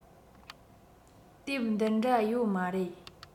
དེབ འདི འདྲ ཡོད མ རེད